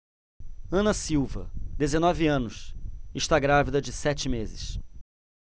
ana silva dezenove anos está grávida de sete meses